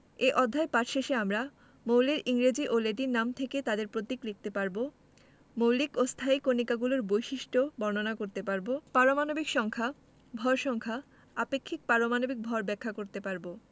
এ অধ্যায় শেষে আমরা মৌলের ইংরেজি ও ল্যাটিন নাম থেকে তাদের প্রতীক লিখতে পারব মৌলিক ও স্থায়ী কণিকাগুলোর বৈশিষ্ট্য বর্ণনা করতে পারব পারমাণবিক সংখ্যা ভর সংখ্যা আপেক্ষিক পারমাণবিক ভর ব্যাখ্যা করতে পারব